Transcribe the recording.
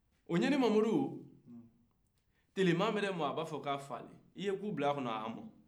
o ɲani mamadu o tilelafana mana mɔ a b'a ka fara i bɛ ku bila a kɔnɔ a bɛ mɔ